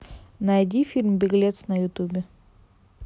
найти фильм беглец в ютубе